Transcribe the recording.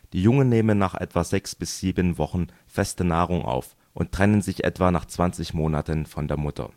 Jungen nehmen nach etwa sechs bis sieben Wochen feste Nahrung auf und trennen sich etwa nach 20 Monaten von der Mutter